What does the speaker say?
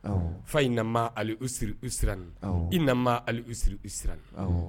Awɔ, Fal usri yuran fa i nama usri yusran, i nna ma ali usri yusran